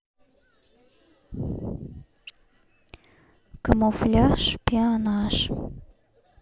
камуфляж шпионаж